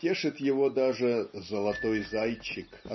Тешит его даже "золотой зайчик"